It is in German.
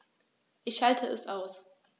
Ich schalte es aus.